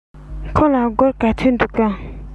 ཁོ ལ སྒོར ག ཚོད འདུག གམ